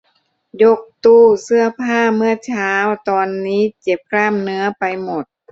ยกตู้เสื้อผ้าเมื่อเช้าตอนนี้เจ็บกล้ามเนื้อไปหมด